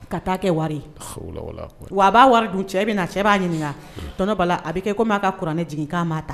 Ka taa kɛ wari ye wa a b'a wari dun, cɛ bɛ na, cɛ b'a ɲininka. Tonton Bala a bɛ kɛ comme a ka kuranɛ jigi k'a m'a ta.